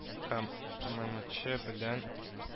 Һәм ммч белән